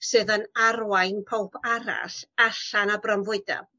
sydd yn arwain powb arall allan a bronfwydo.